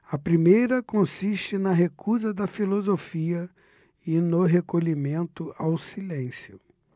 a primeira consiste na recusa da filosofia e no recolhimento ao silêncio